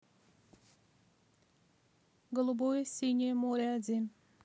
глубокое синее море один